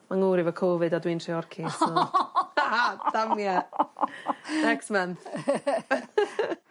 Fy ngwr efo Covid a dwi'n Treorchi so. Da- damia. Next month.